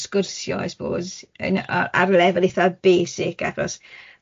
sgwrsio I suppose, yn a- ar y lefel eitha basic achos